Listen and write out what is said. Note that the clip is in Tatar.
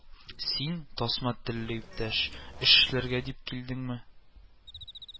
Син, тасма телле иптәш, эш эшләргә дип килдеңме